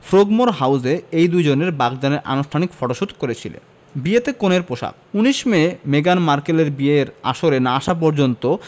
Frogmore হাউসে এই দুজনের বাগদানের আনুষ্ঠানিক ফটোশুট করেছিলেন বিয়েতে কনের পোশাক ১৯ মে মেগান মার্কেলের বিয়ের আসরে না আসা পর্যন্ত